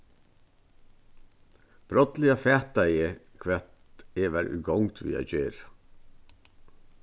brádliga fataði eg hvat eg var í gongd við at gera